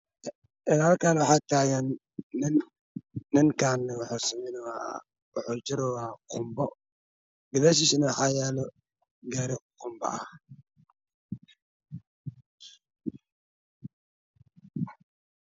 Ee halkni waxa tagan nin ninkani waxuu jarayaa Qumbo gadashisna waxaa yalo gaari qumba ah